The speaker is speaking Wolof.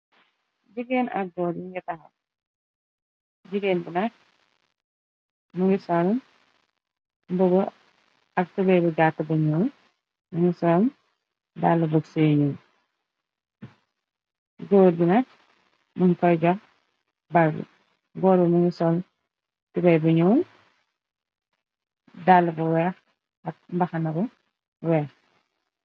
Géen akor ungta jigéen bnak mu ngi soll mboggo ak tubay bu gàtt buñu mingi sol dall bog seeñu góor binak mungi koygax bar goorbu mu ngi sol tubay bu ñu dàll bu weex ak mbaxana bu weex.